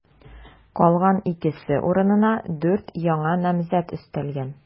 Калган икесе урынына дүрт яңа намзәт өстәлгән.